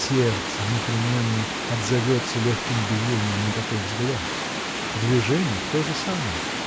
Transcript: Сердце непременно отзовется легким биением на такой взгляд. В движениях то же самое.